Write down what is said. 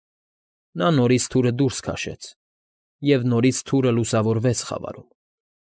Նա նորից թուրը դուրս քաշեց, և նորից թուրը լուսավորվեց խավարում։